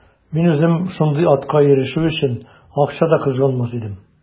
Мин үзем шундый атка ирешү өчен акча да кызганмас идем.